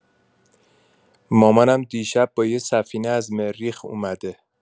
مامانم دیشب با یه سفینه از مریخ اومده.